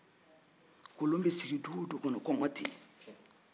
kolon b'i sigi du o du kɔnɔ kɔngɔ tɛ yen